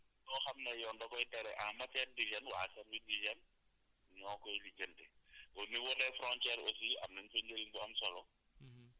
donc loo xam ne yoon da koy tere en matière d' hygène waa service d' hygène ñoo koy lijjanti au niveau des frontières aussi am nañ fa njëriñ bu am solo